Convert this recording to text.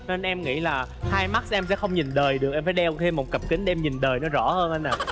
nên em nghĩ là hai mắt xem sẽ không nhìn đời được em phải đeo thêm một cặp kính để nhìn đời nó rõ hơn anh ạ